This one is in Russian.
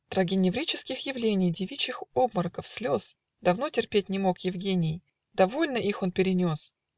Траги-нервических явлений, Девичьих обмороков, слез Давно терпеть не мог Евгений: Довольно их он перенес.